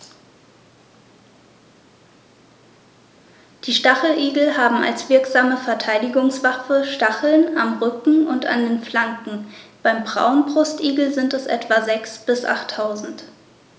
Die Stacheligel haben als wirksame Verteidigungswaffe Stacheln am Rücken und an den Flanken (beim Braunbrustigel sind es etwa sechs- bis achttausend).